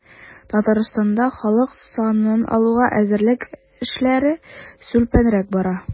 Татарстанда халык санын алуга әзерлек эшләре сүлпәнрәк бара.